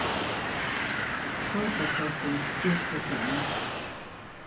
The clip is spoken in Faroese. kaldasveittin spríkti fram